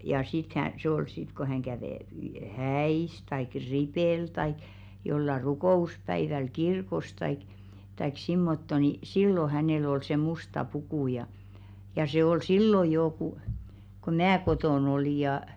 ja sitten -- se oli sitten kun hän kävi häissä tai ripillä tai jollakin rukouspäivällä kirkossa tai tai semmottoon niin silloin hänellä oli se musta puku ja ja se oli silloin jo kun kun minä kotona olin ja